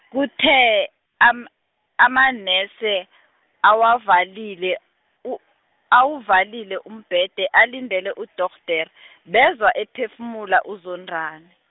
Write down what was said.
kuthe am- amanese, awavalile, u- awuvalile umbhede alindele udorhodere, bezwe aphefumula uZondani.